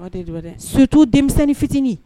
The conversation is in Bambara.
Dɛ sotu denmisɛnnin fitinin